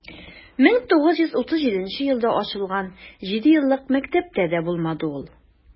1937 елда ачылган җидееллык мәктәптә дә булмады ул.